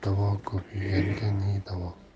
ko'p yeganga ne davo